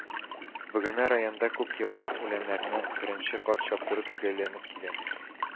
Бөгелмә районында күпьеллык үләннәрне беренче кат чаптыру төгәлләнеп килә